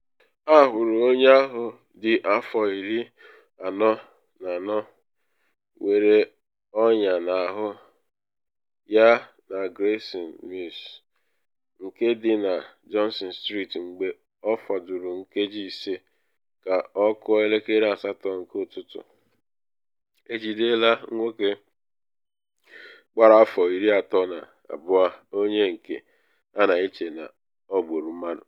A hụrụ onye ahụ dị afọ iri anọ na anọ nwere ọnya n'ahụ ya na Grayson Mews nke dị na Johnson Street mgbe ọ fọdụrụ nkeji ise ka ọ kụọ elekere asatọ nke ụtụtụ. E jidela nwoke gbara afọ iri atọ na abụọ onye nke a na-eche na o gburu mmadụ.